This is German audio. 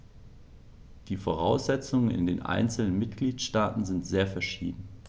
Die Voraussetzungen in den einzelnen Mitgliedstaaten sind sehr verschieden.